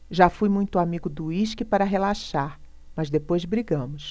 já fui muito amigo do uísque para relaxar mas depois brigamos